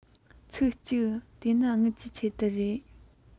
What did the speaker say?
ཚིག གཅིག དེ ནི དངུལ གྱི ཆེད དུ རེད